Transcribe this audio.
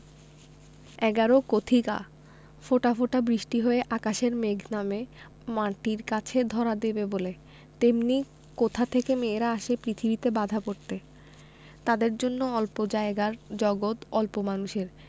১১ কথিকা ফোঁটা ফোঁটা বৃষ্টি হয়ে আকাশের মেঘ নামে মাটির কাছে ধরা দেবে বলে তেমনি কোথা থেকে মেয়েরা আসে পৃথিবীতে বাঁধা পড়তে তাদের জন্য অল্প জায়গার জগত অল্প মানুষের